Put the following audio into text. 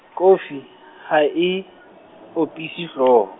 kofi, ha e, opise hlooho.